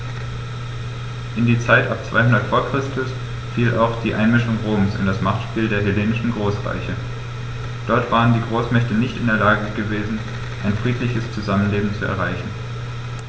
In die Zeit ab 200 v. Chr. fiel auch die Einmischung Roms in das Machtspiel der hellenistischen Großreiche: Dort waren die Großmächte nicht in der Lage gewesen, ein friedliches Zusammenleben zu erreichen.